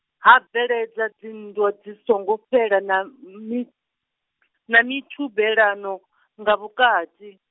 ha bveledza dzinndwa dzi songo fhela na mi-, na mithubelano, nga vhukati.